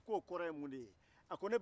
a k'o kɔrɔ ye mun de ye